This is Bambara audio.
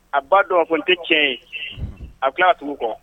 A ba dɔn ko n tɛ tiɲɛ ye a tila tugu kɔ